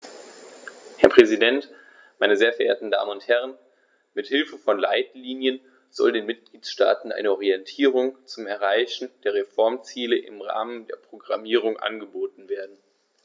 Herr Präsident, meine sehr verehrten Damen und Herren, mit Hilfe von Leitlinien soll den Mitgliedstaaten eine Orientierung zum Erreichen der Reformziele im Rahmen der Programmierung angeboten werden.